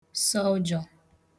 sọ ụjọ